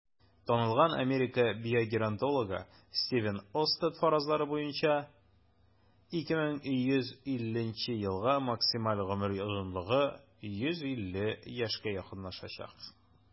Танылган Америка биогеронтологы Стивен Остад фаразлары буенча, 2150 елга максималь гомер озынлыгы 150 яшькә якынлашачак.